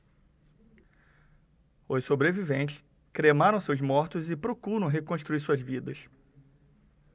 os sobreviventes cremaram seus mortos e procuram reconstruir suas vidas